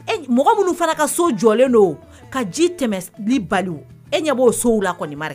Ee mɔgɔ minnu fana ka so jɔlen don ka ji tɛmɛ bali e ɲɛ b'o sow la kɔni mara